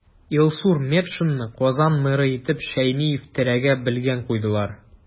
Илсур Метшинны Казан мэры итеп Шәймиев теләге белән куйдылар.